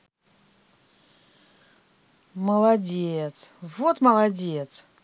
молодец вот молодец